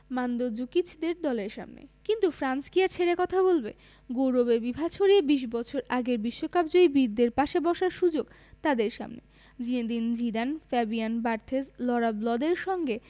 মান্দজুকিচদের দলের সামনে কিন্তু ফ্রান্স কি আর ছেড়ে কথা বলবে গৌরবের বিভা ছড়িয়ে ২০ বছর আগের বিশ্বকাপজয়ী বীরদের পাশে বসার সুযোগ তাদের সামনে জিনেদিন জিদান ফাবিয়ান বার্থেজ লঁরা ব্লদের সঙ্গে